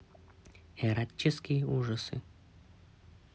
эротические ужасы